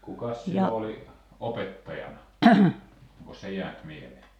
kukas siellä oli opettajana onkos se jäänyt mieleen